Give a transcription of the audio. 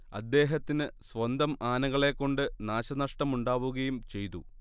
അദ്ദേഹത്തിന് സ്വന്തം ആനകളെകൊണ്ട് നാശനഷ്ടമുണ്ടാവുകയും ചെയ്തു